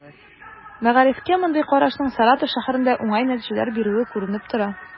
Мәгарифкә мондый карашның Саратов шәһәрендә уңай нәтиҗәләр бирүе күренеп тора.